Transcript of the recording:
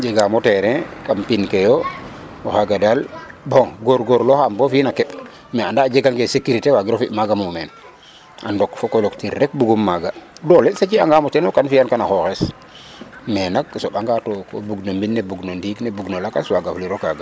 jegamo terrain kam pin ke yo o xaga daal bon goor goor loxam bo ina keɓ mais anda ye a jega nge securité wagiro fi maga mumeen a ndok fo cloture rek bugum maga dole es a ci angamo teno kan fiyan koguna xoxes mais nak a soɓa ga bug no ɓine bug no ndiig ne bug no lakas waga fuliro kaga